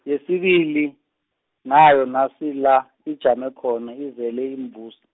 yesibili, nayo nasi la, ijame khona izele iimbuzi.